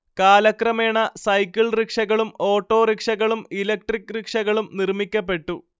കാലക്രമേണ സൈക്കിൾ റിക്ഷകളും ഓട്ടോറിക്ഷകളും ഇലക്ട്രിക് റിക്ഷകളും നിർമ്മിക്കപ്പെട്ടു